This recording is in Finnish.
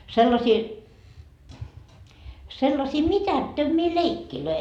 sellaisia sellaisia mitättömiä leikkejä